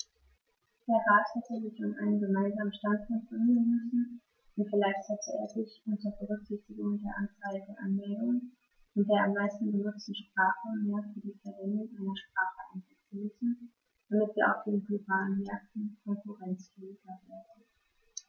Der Rat hätte sich um einen gemeinsamen Standpunkt bemühen müssen, und vielleicht hätte er sich, unter Berücksichtigung der Anzahl der Anmeldungen und der am meisten benutzten Sprache, mehr für die Verwendung einer Sprache einsetzen müssen, damit wir auf den globalen Märkten konkurrenzfähiger werden.